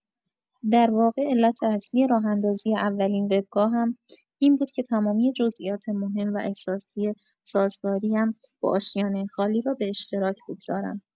در واقع علت اصلی راه‌اندازی اولین وبگاهم این بود که تمامی جزئیات مهم و احساسی سازگاری‌ام با آشیانه خالی را به اشتراک بگذارم.